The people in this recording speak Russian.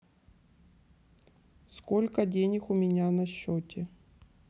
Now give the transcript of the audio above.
сколько денег у меня на счете